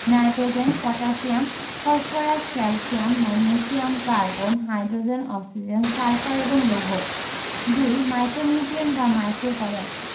nitrogen potassium phosphorus calcium magnesium carbon hydrogen oxygen sulphur এবং লৌহ ২ micronutrient বা মাইক্রোউপাদান